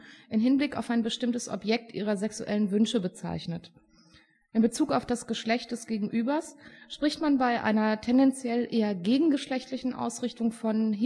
Hinblick auf ein bestimmtes Objekt ihrer sexuellen Wünsche bezeichnet. In Bezug auf das Geschlecht des Gegenübers spricht man bei einer tendenziell eher gegengeschlechtlichen Ausrichtung von